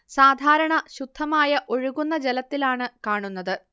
സാധാരണ ശുദ്ധമായ ഒഴുകുന്ന ജലത്തിലാണ് കാണുന്നത്